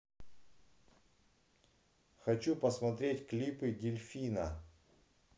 хочу посмотреть клипы дельфина